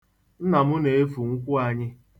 Nna m na-efu nkwụ anyị.